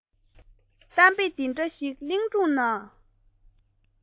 གཏམ དཔེ འདི འདྲ ཞིག གླིང སྒྲུང ན